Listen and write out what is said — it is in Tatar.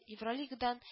Евролигадан